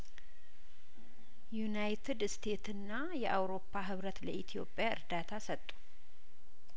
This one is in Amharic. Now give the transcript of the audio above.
ዩናይትድ ስቴትና የአውሮፓ ህብረት ለኢትዮጵያ እርዳታ ሰጡ